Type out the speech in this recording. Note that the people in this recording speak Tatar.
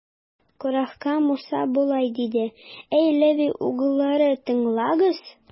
Корахка Муса болай диде: Әй Леви угыллары, тыңлагыз!